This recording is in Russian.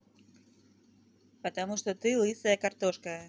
потому что ты лысая картошка